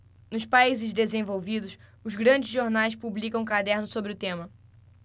nos países desenvolvidos os grandes jornais publicam cadernos sobre o tema